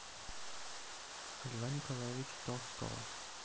льва николаевича толстого